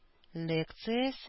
Лекциясе